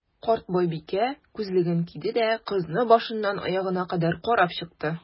Карт байбикә, күзлеген киде дә, кызны башыннан аягына кадәр карап чыкты.